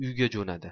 uyga jo'nadi